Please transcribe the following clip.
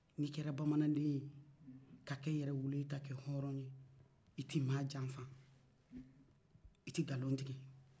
n'i kɛra bamananden k'a kɛ yɛrɛwolo ye ka kɛ hɔrɔn ye i ti maa janfa